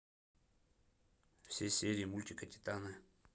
все серии мультика титаны